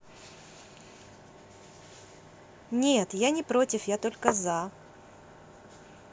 нет я не против я только за